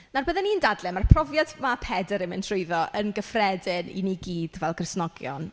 Nawr byddwn i'n dadlau, ma'r profiad ma' Pedr yn mynd trwyddo yn gyffredin i ni gyd fel Cristnogion.